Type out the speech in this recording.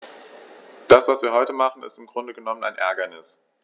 Das, was wir heute machen, ist im Grunde genommen ein Ärgernis.